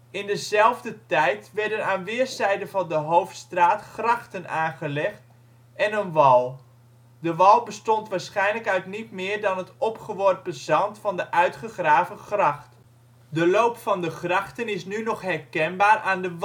In diezelfde tijd werden aan weerszijden van de Hoofdstraat grachten aangelegd en een wal (de wal bestond waarschijnlijk uit niet meer dan het opgeworpen zand van de uitgegraven gracht). De loop van de grachten is nu nog herkenbaar aan de